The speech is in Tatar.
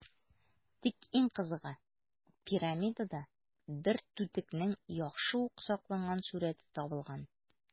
Тик иң кызыгы - пирамидада бер түтекнең яхшы ук сакланган сурəте табылган.